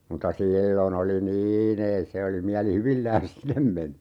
mutta silloin oli niin ei se oli mielihyvillään sinne meni